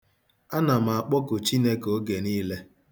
Ana m akpọku Chukwu oge niile.